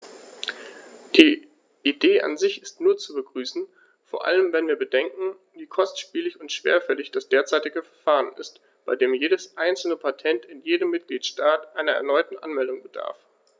Die Idee an sich ist nur zu begrüßen, vor allem wenn wir bedenken, wie kostspielig und schwerfällig das derzeitige Verfahren ist, bei dem jedes einzelne Patent in jedem Mitgliedstaat einer erneuten Anmeldung bedarf.